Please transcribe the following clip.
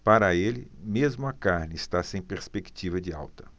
para ele mesmo a carne está sem perspectiva de alta